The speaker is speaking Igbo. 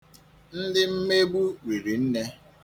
Ndị mmegbu riri nne.